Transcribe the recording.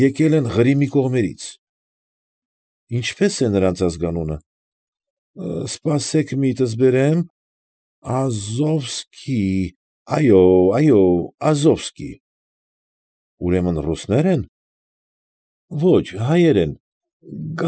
Եկել են Ղրիմի կողմերից։ ֊ Ինչպե՞ս է նրանց ազգանունը։ ֊ Սպասեք միտս բերեմ. Ազովսկի, այո՛, այո, Ազովսկի… ֊ Ուրեմն, ռուսնե՞ր են։ ֊ Ոչ, հայեր են։